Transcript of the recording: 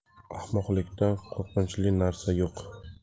ahmoqlikdan qo'rqinchli narsa yo'q